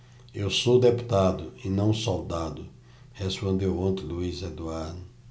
eu sou deputado e não soldado respondeu ontem luís eduardo